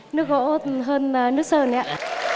nước gỗ hơn nước sơn đấy ạ